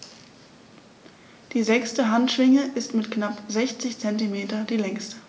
Die sechste Handschwinge ist mit knapp 60 cm die längste.